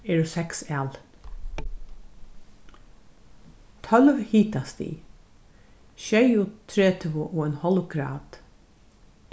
eru seks alin tólv hitastig sjeyogtretivu og ein hálv grad